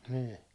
niin